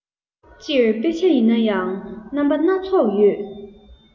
སྤྱིར དཔེ ཆ ཡིན ན ཡང རྣམ པ སྣ ཚོགས ཡོད